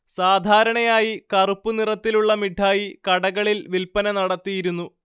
സാധാരണയായി കറുപ്പു നിറത്തിലുള്ള മിഠായി കടകളിൽ വിൽപ്പന നടത്തിയിരുന്നു